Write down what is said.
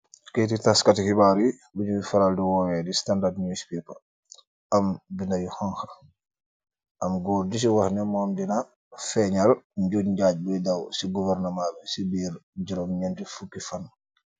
Keiti tass kati khibarr yii, bu njui faral di woh weh the standard newspaper, am binda yu honha, am gorr gu ci wakhneh mom di na feh njal njungh njaangh bui daw ci gouverniment bi ci bir juromi njenti fuki fan.